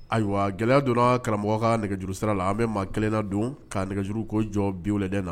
Ayiwa gɛlɛya donna karamɔgɔ ka nɛgɛjuru sira la . An bi maa kelen na don ka nɛgɛjuru ko jɔ bi lajɛ na